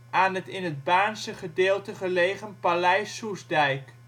aan het in het Baarnse gedeelte gelegen Paleis Soestdijk